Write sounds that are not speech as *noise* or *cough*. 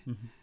*hesitation* *hesitation*